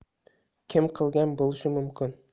kim qilgan bo'lishi mumkin